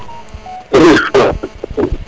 *